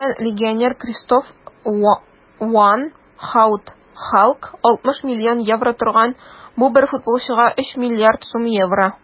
Мәсәлән, легионер Кристоф ван Һаут (Халк) 60 млн евро торган - бу бер футболчыга 3 млрд сум евро!